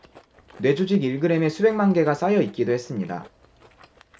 뇌 조직 일 그램에 수백만 개가 쌓여 있기도 했습니다